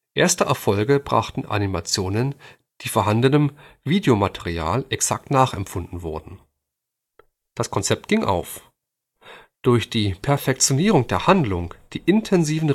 Erste Erfolge brachten Animationen, die vorhandenem Videomaterial exakt nachempfunden wurden. Das Konzept ging auf, doch durch die Perfektionierung der Handlung, die intensiven